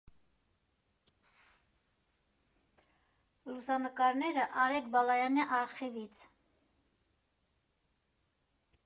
Լուսանկարները՝ Արեգ Բալայանի արխիվից։